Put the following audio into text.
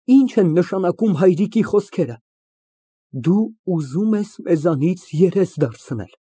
Ի՞նչ են նշանակում հայրիկի խոսքերը. «Դու ուզում ես մեզանից երես դարձնել»։